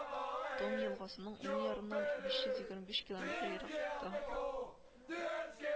Томь елгасының уң ярыннан биш йөз егерме биш километр ераклыкта